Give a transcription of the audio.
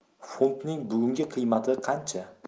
funt ning bugungi qiymati qancha